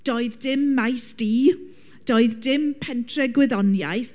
Doedd dim Maes D doedd dim pentre gwyddoniaeth.